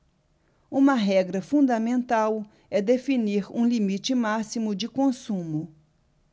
uma regra fundamental é definir um limite máximo de consumo